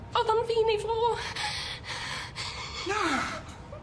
O'dd o'n fi neu fo. Na!